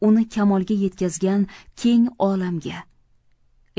uni kamolga yetkazgan keng olamga